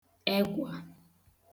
ẹkwà